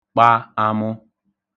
kpa amụ